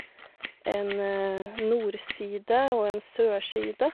En nordside og en sørside.